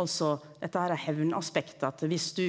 altså dette herre hemnaspektet at viss du